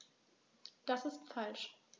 Das ist falsch.